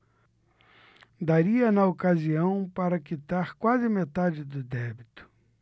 daria na ocasião para quitar quase metade do débito